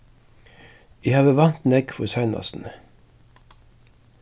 eg havi vant nógv í seinastuni